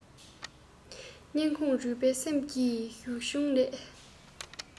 སྙིང ཁོངས རུས པའི སེམས ཀྱི གཞུ ཆུང ལས